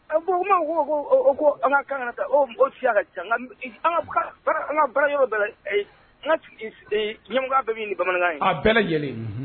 A bon u ma ko ko ko an ka kan kana taa o fiya ka ca an ka bara yɔrɔ bɛ ɲ bɛ min bamanan ye a bɛɛ lajɛlenlen